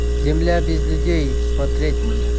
земля без людей смотреть